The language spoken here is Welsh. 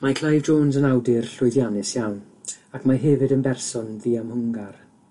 Mae Clive Jones yn awdur llwyddiannus iawn, ac mae hefyd yn berson ddiemhwngar.